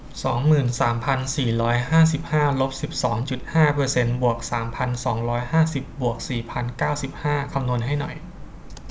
สองหมื่นสามพันสี่ร้อยห้าสิบห้าลบสิบสองจุดห้าเปอร์เซนต์บวกสามพันสองร้อยห้าสิบบวกสี่พันเก้าสิบห้าคำนวณให้หน่อย